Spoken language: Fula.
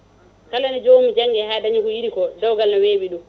kala nde jomum janggui ha dañi ko yiiɗi ko dewgal ne weeɓi ɗum